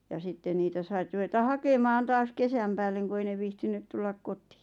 ja sitten niitä saitte ruveta hakemaan taas kesän päälle kun ei ne viitsinyt tulla kotiin